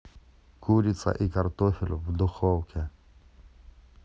курица и картофель в духовке